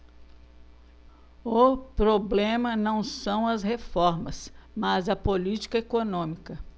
o problema não são as reformas mas a política econômica